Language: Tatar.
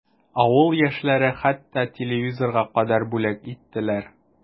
Авыл яшьләре хәтта телевизорга кадәр бүләк иттеләр.